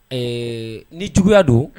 Ɛɛ ni juguya don